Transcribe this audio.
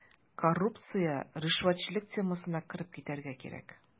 Коррупция, ришвәтчелек темасына кереп китәргә кирәк.